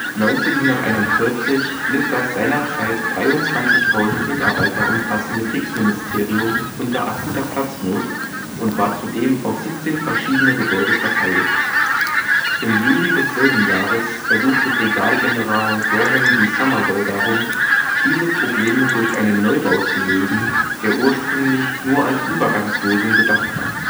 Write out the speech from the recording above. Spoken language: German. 1941 litt das seinerzeit 23.000 Mitarbeiter umfassende Kriegsministerium unter akuter Platznot und war zudem auf 17 verschiedene Gebäude verteilt. Im Juli desselben Jahres ersuchte Brigadegeneral Brehon B. Sommervell darum, diese Probleme durch einen Neubau zu lösen, der ursprünglich nur als Übergangslösung gedacht war